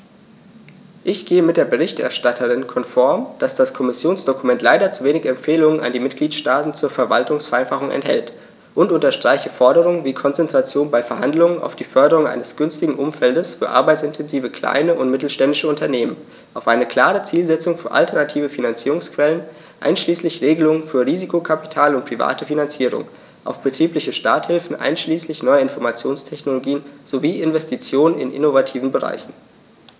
Ich gehe mit der Berichterstatterin konform, dass das Kommissionsdokument leider zu wenig Empfehlungen an die Mitgliedstaaten zur Verwaltungsvereinfachung enthält, und unterstreiche Forderungen wie Konzentration bei Verhandlungen auf die Förderung eines günstigen Umfeldes für arbeitsintensive kleine und mittelständische Unternehmen, auf eine klare Zielsetzung für alternative Finanzierungsquellen einschließlich Regelungen für Risikokapital und private Finanzierung, auf betriebliche Starthilfen einschließlich neuer Informationstechnologien sowie Investitionen in innovativen Bereichen.